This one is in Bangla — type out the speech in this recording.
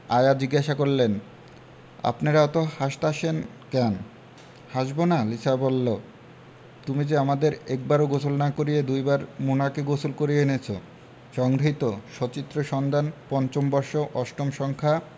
আয়া জিজ্ঞেস করলেন আপনেরা অত হাসতাসেন ক্যান হাসবোনা লিসা বললো তুমি যে আমাদের একবারও গোসল না করিয়ে দুবার মোনাকে গোসল করিয়ে এনেছো সংগৃহীত সচিত্র সন্ধানী৫ম বর্ষ ৮ম সংখ্যা